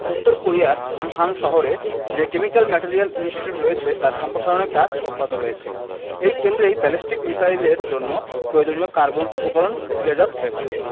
উত্তর কোরিয়ার হামহাং শহরে যে কেমিক্যাল ম্যাটেরিয়াল ইনস্টিটিউট রয়েছে তার সম্প্রসারণের কাজ অব্যাহত রয়েছে এই কেন্দ্রেই ব্যালিস্টিক মিসাইলের জন্য প্রয়োজনীয় কার্বন উপকরণ প্রক্রিয়াজাত হয়ে থাকে